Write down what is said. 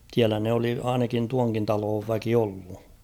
siellä ne oli ainakin tuonkin talon väki ollut